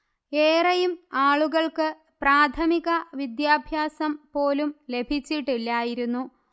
ഏറെയും ആളുകൾക്ക് പ്രാഥമിക വിദ്യാഭ്യാസം പോലും ലഭിച്ചിട്ടില്ലായിരുന്നു